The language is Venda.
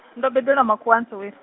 ndo bebelwa makhuwani Sowe-.